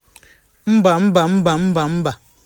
“Mba, mba, mba, mba, mba.